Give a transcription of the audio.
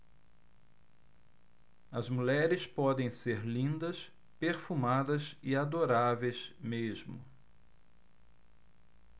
as mulheres podem ser lindas perfumadas e adoráveis mesmo